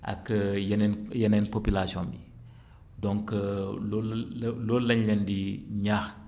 ak yeneen yeneen population bi donc loolu la loolu lañ leen di ñaax